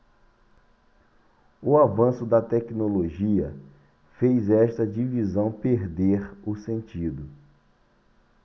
o avanço da tecnologia fez esta divisão perder o sentido